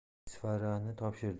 isfarani topshirdi